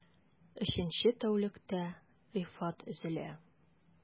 Өченче тәүлектә Рифат өзелә...